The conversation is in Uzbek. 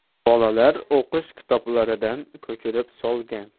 bolalar o'qish kitoblaridan ko'chirib solgan